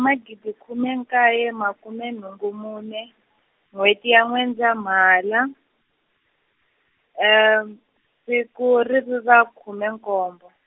magidi khume nkaye makume nhungu mune, n'wheti ya N'wendzamhala, siku ri ri ra khume nkombo.